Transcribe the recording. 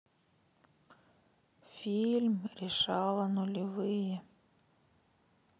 фильм решала нулевые